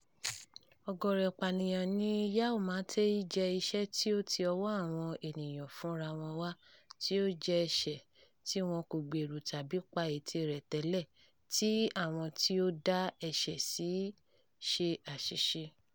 Ọ̀gọ̀rọ̀ ìpànìyàn ní Yau Ma Tei jẹ́ ẹsẹ̀ tí ó ti ọwọ́ àwọn ènìyàn fún ra wọn wá, tí ó jẹ́ ẹsẹ̀ tí wọn kò gbèrò tàbí pa ète rẹ̀ tẹ́lẹ̀, tí àwọn tí ó dá ẹ̀ṣẹ̀ sì ṣe àṣìṣe.